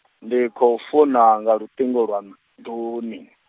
ndi khou founa nga luṱingo lwa, nḓuni.